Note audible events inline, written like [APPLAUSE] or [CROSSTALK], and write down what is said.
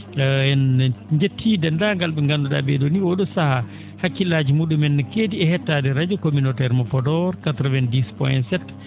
[HESITATION] en njetti denndangal ?e nganndu?aa ?ee?oo nii oo?oo sahaa hakkillaaji muu?umen ne keedi e hettaade radio communautaire mo Podor 90 POINT 7